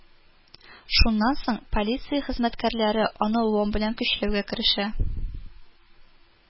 Шуннан соң полиция хезмәткәрләре аны лом белән көчләүгә керешә